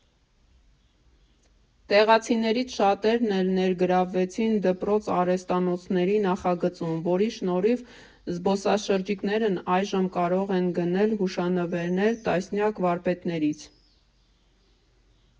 Տեղացիներից շատերն էլ ներգրավվեցին դպրոց֊արհեստանոցների նախագծում, որի շնորհիվ զբոսաշրջիկներն այժմ կարող են գնել հուշանվերներ տասնյակ վարպետներից։